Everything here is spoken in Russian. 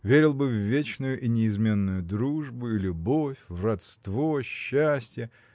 верил бы в вечную и неизменную дружбу и любовь в родство счастье